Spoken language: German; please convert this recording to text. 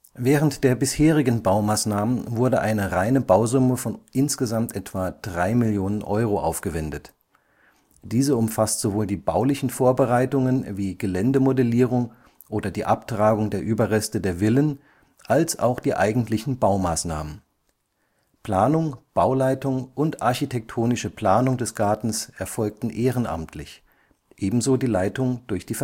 Während der bisherigen Baumaßnahmen wurde eine reine Bausumme von insgesamt etwa drei Millionen Euro aufgewendet. Diese umfasst sowohl die baulichen Vorbereitungen wie Geländemodellierung oder die Abtragung der Überreste der Villen, als auch die eigentlichen Baumaßnahmen. Planung, Bauleitung und architektonische Planung des Gartens erfolgten ehrenamtlich, ebenso die Leitung durch die